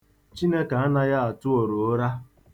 Chineke anaghị atụ oruụra.